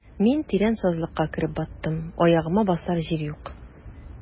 Мин тирән сазлыкка кереп баттым, аягыма басар җир юк.